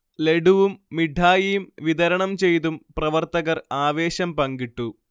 ലഡുവും മിഠായികളും വിതരണംചെയ്തും പ്രവർത്തകർ ആവേശം പങ്കിട്ടു